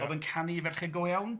Oedd o'n canu i ferched go iawn?